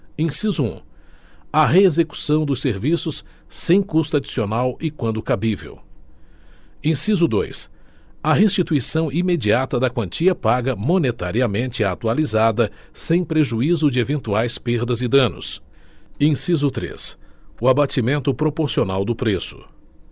inciso um a reexecução dos serviços sem custo adicional e quando cabível inciso dois a restituição imediata da quantia paga monetariamente atualizada sem prejuízo de eventuais perdas e danos inciso três o abatimento proporcional do preço